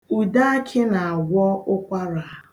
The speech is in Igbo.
Udeakị na-agwọ ụkwara.